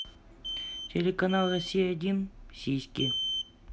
телеканал россия один сиськи